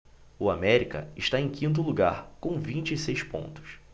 o américa está em quinto lugar com vinte e seis pontos